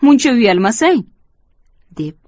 muncha uyalmasang